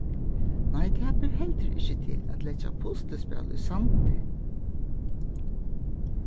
nei tað ber heldur ikki til at leggja puslispæl í sandi